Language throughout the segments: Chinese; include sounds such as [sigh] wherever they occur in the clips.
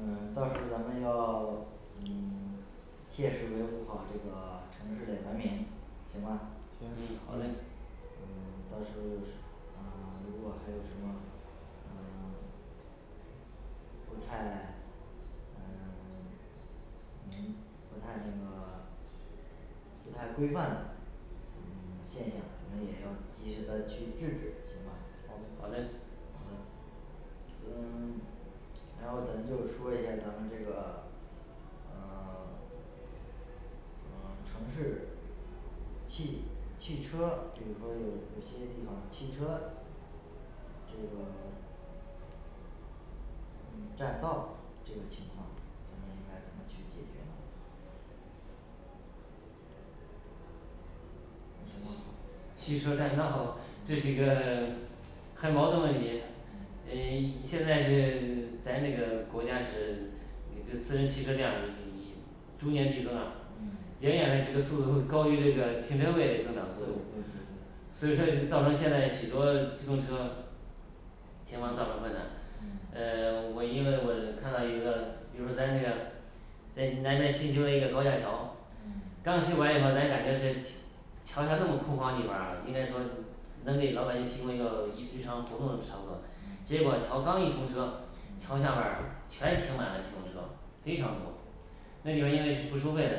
嗯到时咱们要嗯切实维护好这个城市嘞文明行吧行嗯好嘞嗯嗯到时候有什 [unintelligible] 嗯如果还有什么嗯 [silence] 不太嗯 [silence] 明不太那个 [silence] 不太规范嗯现象，我们也要及时的去制止行吧好好嘞好的嗯 [silence] 然后咱就说一下咱们这个嗯 [silence] 嗯城市汽汽车，比如说有有些地方汽车这个 [silence] 嗯占道这个情况，咱们应该怎么去解决呢啊什么汽车占道，这是一个很矛盾问题。诶现在是 [silence] 咱这个国家是你就私人汽车量你你 [unintelligible] 逐年递增啊，嗯远远嘞这个速度会高于这个停车位嘞增长速度对对对对，所以说造成现在许多机动车停完造成困难嗯呃 [silence] 我因为我看到一个比如咱那个在邢台那儿新修了一个高架桥嗯刚修完以后咱感觉是嗯嗯那地方因为是不收费嘞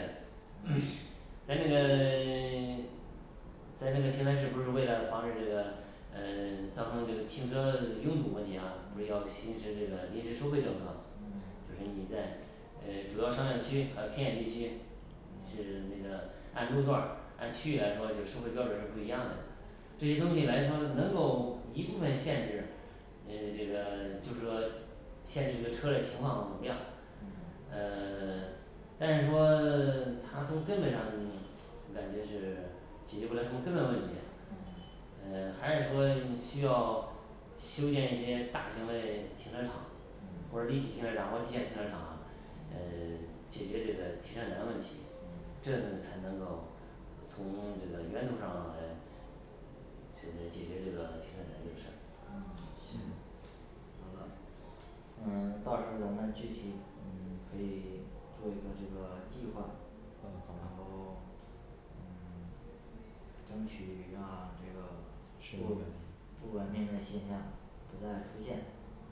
[crosstalk] 咱那个 [silence] 咱那个邢台市不是为了防止这个呃造成这个停车拥堵问题啊不是要嗯行使这个临时收费政策啊嗯就是你在呃主要商业区和偏远地区嗯是那个按路段儿按区域来说，就收费标准儿是不一样嘞嗯呃 [silence] 但是说 [silence] 它从根本上我感觉是解决不了什么根本问题嘞嗯呃还是说需要修建一些大型的停车场嗯嗯这才能够从这个源头上来去解决这个停车难这个事儿嗯行嗯到时候咱们具体嗯可以做一个这个计划，嗯然好的后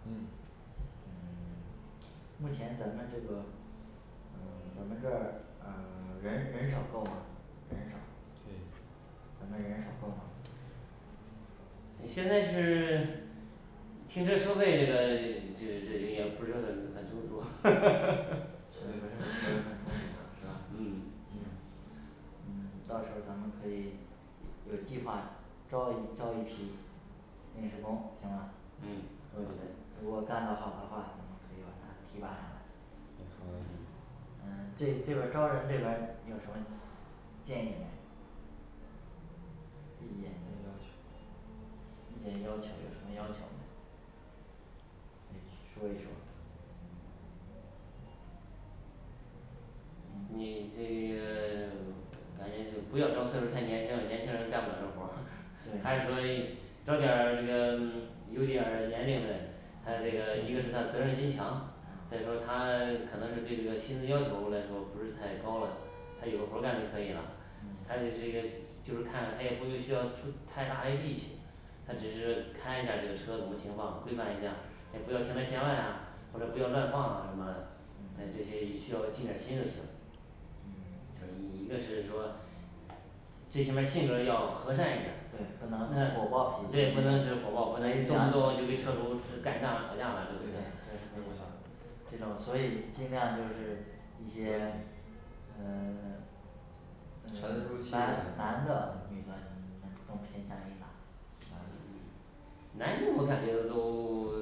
嗯对咱们人手够吗诶现在是停车收费这个这个这个也不是很很清楚 [noise] 嗯到时候咱们可以一 [unintelligible] 有计划招一招一批临时工行嘛嗯可以如果干的好的话咱们可以把他提拔上来诶好嘞嗯这这边儿招人这边儿有什么建议没意见跟要求，意见要求有什么要求没，一起说一说嗯你这个 [silence] 感觉就不要招岁数儿太年轻嘞，年轻人干不了这活儿 [noise] 你还可以招进来一个有点儿年龄的人，还有这个一个是他责任心强嗯嗯他只嗯是看一下这个车怎么停放，规范一下，也不要停在线外啊或者不要乱放啊什么嗯这嗯些需要尽点儿心就行就一一个是说最起码儿性格要和善一点儿对不能火啊爆脾这也气不能是火爆不能动不动就跟客户干仗吵架嘞对不对这种所以尽量就是一些嗯 [silence] 沉得住嗯气男男的女的你们都没太在意呐男的男女我感觉都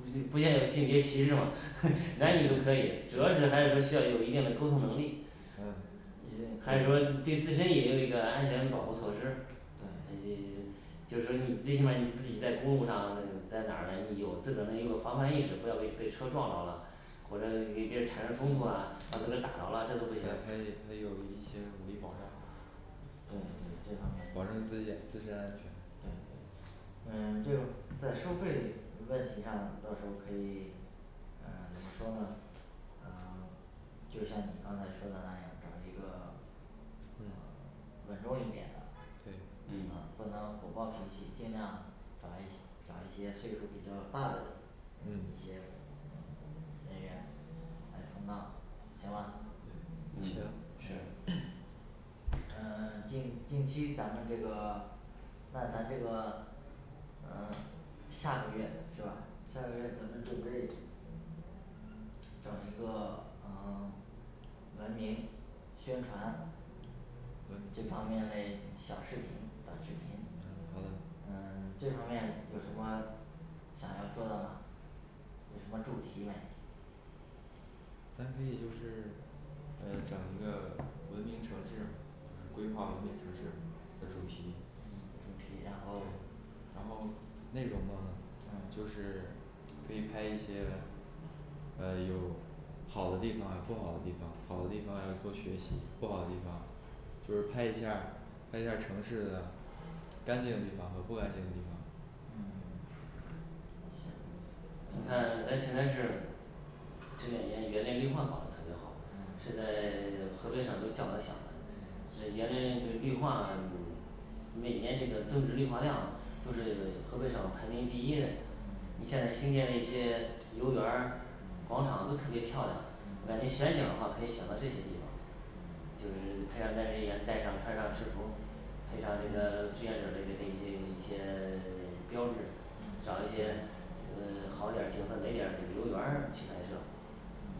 [silence] 不不要有性别歧视嘛 [noise] 男女都可以，主要是还是说需要有一定的沟通能力嗯也还有说对自身也有一个安全保护措施嗯也就是说你最起码你自己在公路上在哪儿嘞，你有自个的一个防范意识，不要被被车撞着啦或者你给别人产生冲突啊把自个儿打着啦，这都还不行还有一些武力保障对对这方面保证自己自身安全对对对嗯就在收费问题上到时候可以呃怎么说呢嗯就像你刚才说的那样找一个呃稳重一点的对呃嗯不能火爆脾气尽量找一西 [unintelligible] 找一些岁数比较大的一些嗯嗯人员来充当行嘛嗯行行呃近近期咱们这个那咱这个呃下个月是吧下个月咱们准备整一个嗯 [silence] 文明宣传呃这方面嘞小视频短视频，嗯好的嗯 [silence] 这方面有什么想要说的吗有什么主题没咱可以就是呃整一个文明城市，规划文明城市的主题嗯主题然后然后内容嘛就嗯是可以拍一些呃有好的地方不好的地方，好的地方要多学习，不好的地方就是拍一下儿拍一下儿城市的干净的地方和不干净的地方嗯行你看嗯咱邢台市这两年园林绿化搞得特别好，嗯是在 [silence] 河北省都叫的响的呃园林就绿化，每年这个增值绿化量都是河北省排名第一嘞。你嗯现在新建的一些游园儿广嗯场都特别漂亮，我感嗯觉选景的话可以选择这些地方就是拍照儿在这个戴上穿上制服儿配上这个志愿者的这个这这一些 [silence] 标志找一些呃好点儿景色美点儿游园儿去拍摄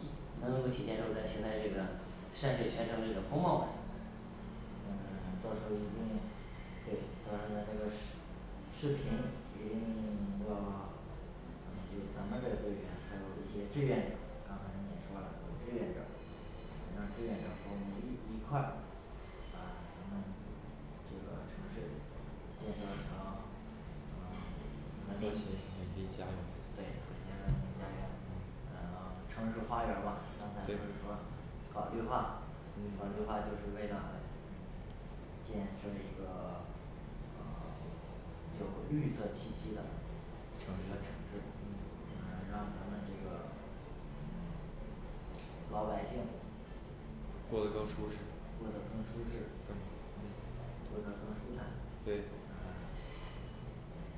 你能够体现出咱邢台这个山水泉城这个风貌的嗯到时候一定对到时候咱这个视 [unintelligible] 视频一定 [silence] 要对把咱们这个城市建设成和嗯谐文也是明一家人对和谐文明家园嗯嗯城市花园儿吧刚才不是对说搞绿化搞绿嗯化就是为了建设一个呃 [silence] 有绿色气息的一个城城市市嗯嗯让咱们这个老百姓过得更舒适过得更舒适更过得更舒坦对嗯嗯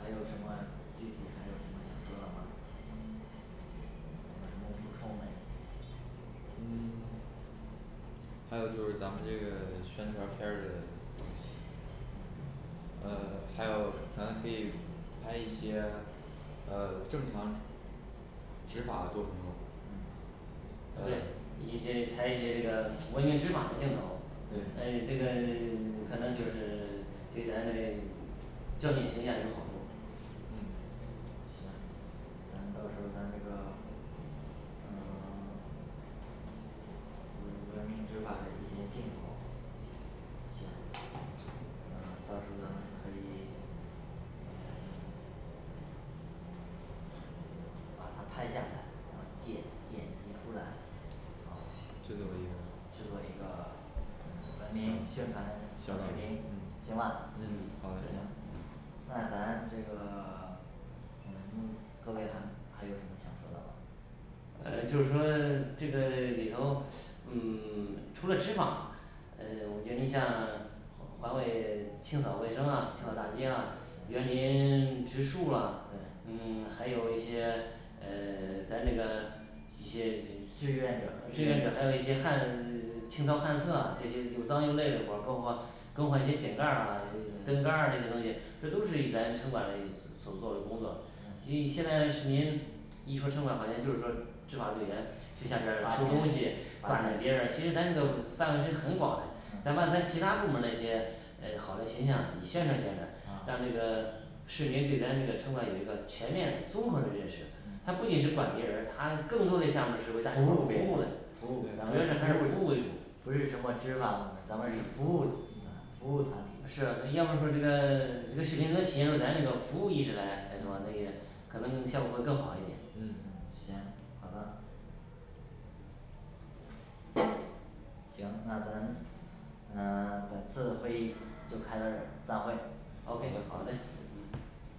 还有什么具体还有什么想说的吗西 [unintelligible] 西 [unintelligible] 有什么补充没嗯还有就是咱们这个宣传片儿的呃还有咱可以拍一些呃正常执法过程中嗯还有对一些采一些这个文明执法的镜头，呃对这个 [silence] 可能就是对咱嘞交警形象有好处嗯行等到时候咱这个呃 [silence] 文明执法的一些镜头行嗯到时咱们可以把它拍下来啊剪剪辑出来啊制作一个制作一个嗯文明有宣传小程序行吧嗯好嘞那咱这个 [silence] 嗯目各位还 [unintelligible] 还有什么想说的吗呃就是说这个里头嗯 [silence] 除了执法呃，我觉得你像环卫、清扫卫生啊、清扫大街啊、园林 [silence] 植树啊对，嗯还有一些嗯 [silence] 咱这个一些志愿者这志愿者还有一些旱 [silence] 清扫旱厕啊这些又脏又累的活儿包括更换些井盖儿啊灯杆儿啊这些东西这都是以咱城管嘞所做的工作所以嗯现在您一说城管好像就是说执法队员去下边儿拿出东西，管着别人儿，其实咱这个范围是很广嘞，咱嗯把咱其它部门儿的一些呃好嘞形象也宣传宣传让啊这个市民对咱这个城管有一个全面的综合的认识，它嗯不仅是管别人儿，它更多的项目是为大服务众服务的服务，服务主要还是服务为主不是什么执法部门儿，咱们是服务啊服务团体是要不说这个 [silence] 一个视频能体现出咱这个服务意识来来说，那个可能效果会更好一点嗯行好的行，那咱嗯 [silence] 本次会议就开到这儿，散会 O K好嘞嗯